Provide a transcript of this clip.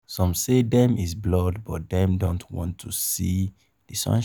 Some say them is blood but them don't want to see the sunshine